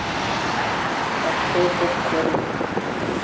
открой попкорн